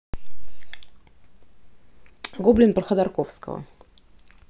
гоблин про ходорковского